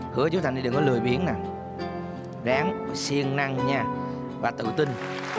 hứa chú thành đi đừng có lười biếng nà ráng siêng năng nha và tự tin